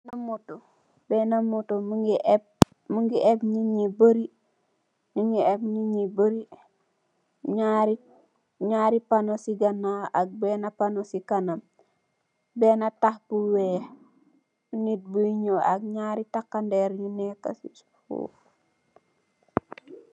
Am auto la nyugui aybe ayii nit youbarri